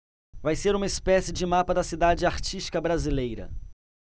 vai ser uma espécie de mapa da cidade artística brasileira